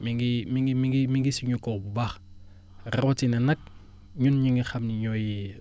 mi ngi mi ngi mi ngi mi ngi suñu kaw bu baax rawatina nag ñun ñi nga xam ne ñooy